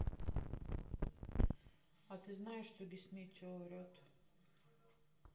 а ты знаешь что гисметео врет